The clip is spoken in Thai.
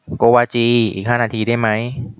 โกวาจีอีกห้านาทีได้ไหม